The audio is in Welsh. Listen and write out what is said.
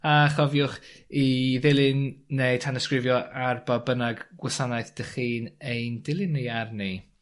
A chofiwch i ddilyn ne' tanysgrifio ar ba bynnag gwasanaeth 'dych chi'n ein dilyn ni arni.